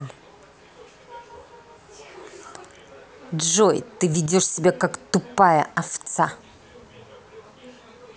джой ты ведешь себя как тупая овца